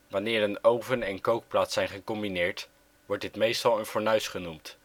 Wanneer een oven en kookplaat zijn gecombineerd wordt dit meestal een fornuis genoemd